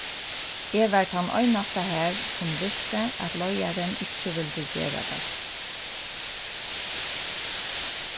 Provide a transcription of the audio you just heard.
eg var tann einasta har sum visti at leiðarin ikki vildi gera tað